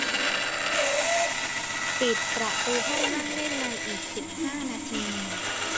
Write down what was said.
ปิดประตูห้องนั่งเล่นในอีกสิบห้านาที